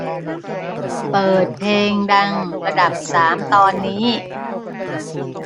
เปิดเพลงดังระดับสามตอนนี้